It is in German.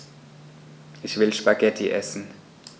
Ich will Spaghetti essen.